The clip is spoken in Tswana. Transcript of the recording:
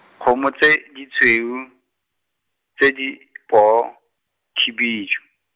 kgomo tse, ditshweu, tse di , poo, khibidu.